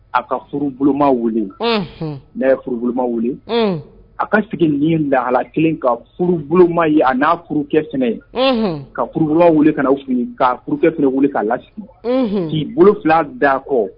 A ka furu boloma wele' ye furu boloma wuli a ka sigi nin na a kelen ka furu boloma ye a n'a furu sɛnɛ ye ka furubolo wele ka aw fili ka f wuli k'a lases k'i bolo fila da a kɔ